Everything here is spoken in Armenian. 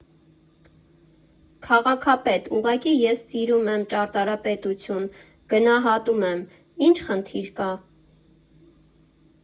Քաղաքապետ, ուղղակի ես սիրում եմ ճարտարապետություն, գնահատում եմ, ի՞նչ խնդիր կա…